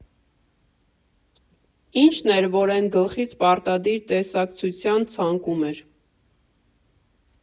Ի՞նչն էր, որ էն գլխից պարտադիր տեսակցության ցանկում էր։